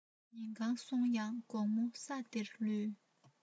ཉིན གང སོང ཡང དགོང མོ ས དེར ལུས